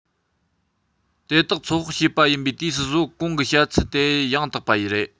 དེ དག ཚོད དཔག བྱས པ ཡིན པའི དུས སུ གཟོད གོང གི བཤད ཚུལ དེ ཡང དག པ རེད